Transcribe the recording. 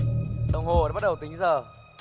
đồng hồ đã bắt đầu tính giờ